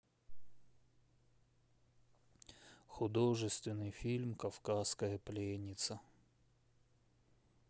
художественный фильм кавказская пленница